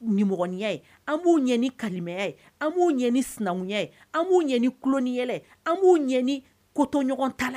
Niya an b'u ɲ ni kaliya an b'u ɲ ni sinankunya an b'uani kui yɛlɛ an b'u ɲ kotɔɲɔgɔn ta